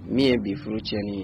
Min ye bi furu tiɲɛni ye.